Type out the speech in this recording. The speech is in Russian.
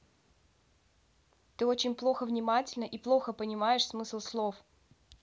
ты очень плохо внимательно и плохо понимаешь смысл слов